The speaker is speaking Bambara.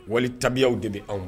Wali tabiya de bɛ anw